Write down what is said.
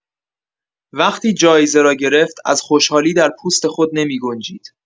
وقتی جایزه را گرفت، از خوشحالی در پوست خود نمی‌گنجید.